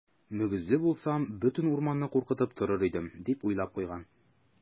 Мөгезле булсам, бөтен урманны куркытып торыр идем, - дип уйлап куйган.